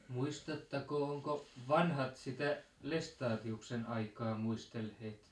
muistatteko onko vanhat sitä Lestadiuksen aikaa muistelleet